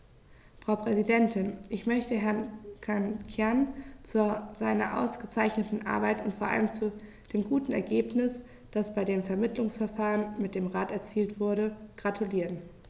Frau Präsidentin, ich möchte Herrn Cancian zu seiner ausgezeichneten Arbeit und vor allem zu dem guten Ergebnis, das bei dem Vermittlungsverfahren mit dem Rat erzielt wurde, gratulieren.